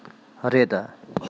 རེད